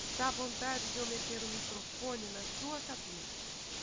dá vontade de eu meter o microfone na sua cabeça